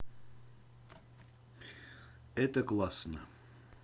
это классно